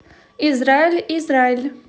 израиль израиль